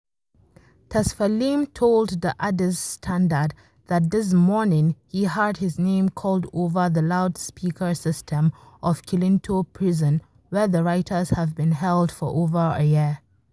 Tesfalem told the Addis Standard that this morning he heard his name called over the loudspeaker system of Kilinto Prison, where the writers have been held for over a year.